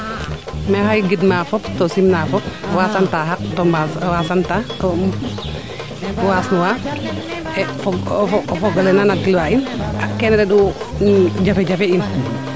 maxey gidmaa fop to simna fop wasan taa xaq to wasan taa to waasnuwa e o fogole naa nan gilwaa in keene rend u jafe jafe in